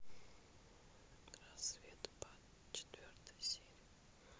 разведбат четвертая серия